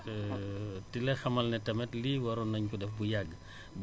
di la xamal ne tamit lii waroon nañ ko def bu yàgg